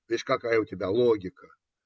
Видишь, какая у тебя логика.